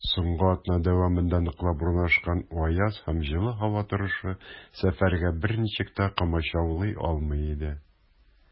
Соңгы атна дәвамында ныклап урнашкан аяз һәм җылы һава торышы сәфәргә берничек тә комачаулый алмый иде.